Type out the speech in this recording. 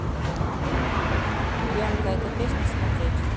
ямка это песня смотреть